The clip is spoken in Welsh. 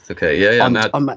Ocê ia ia na.